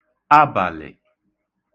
abàlị̀